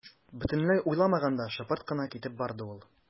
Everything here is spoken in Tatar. Бөтенләй уйламаганда шыпырт кына китеп барды ул.